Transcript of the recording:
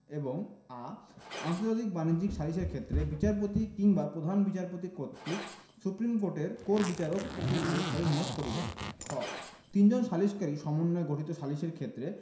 এবং আ আন্তর্জাতিক বাণিজ্যিক সালিসের ক্ষেত্রে বিচারপতি বিংবা প্রধান বিচারপতি কর্তৃক সুপ্রীম কোর্টের কোর বিচারক উক্ত সালিসকারী নিয়োগ করিবেন খ তিনজন সালিসকারী সমন্বয়ে গঠিত সালিসের ক্ষেত্রে